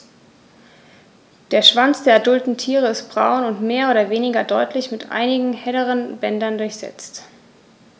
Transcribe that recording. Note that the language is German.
Der Schwanz der adulten Tiere ist braun und mehr oder weniger deutlich mit einigen helleren Bändern durchsetzt.